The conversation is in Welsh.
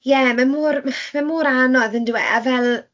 Ie, mae mor mae mor anodd yndyw e? A fel...